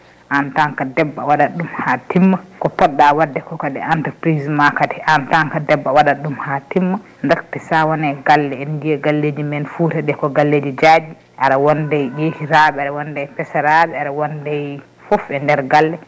en tant que debbo a waɗat ɗum ha timma ko poɗɗa wadde ko kadi entreprise ma kadi en tant que debbo a waɗat ɗum ha timma dakhte sa wone galle en ji galleji men Fouta ɗi ko galleji jajƴi aɗa wonde ƴekiraɓe aɗa wonde peceraɓe aɗa wonday foof e nder galle